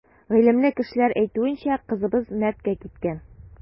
Гыйлемле кешеләр әйтүенчә, кызыбыз мәрткә киткән.